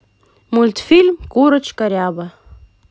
мультфильм курочка ряба